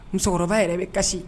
Musokɔrɔba yɛrɛ bɛ kasi